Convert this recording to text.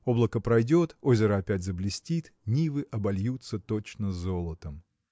Облако пройдет – озеро опять заблестит, нивы обольются точно золотом.